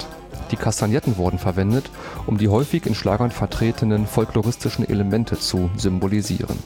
wurden verwendet, um die häufig in Schlagern vertretenen folkloristischen Elemente zu symbolisieren